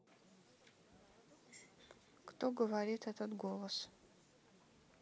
кто говорит этот голос